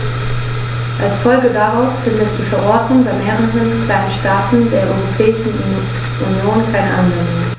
Als Folge daraus findet die Verordnung bei mehreren kleinen Staaten der Europäischen Union keine Anwendung.